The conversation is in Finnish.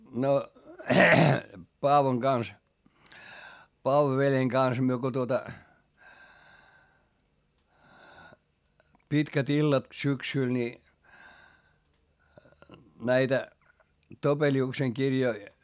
no Paavon kanssa Paavo-veljen kanssa me kun tuota pitkät illat syksyllä niin näitä Topeliuksen kirjoja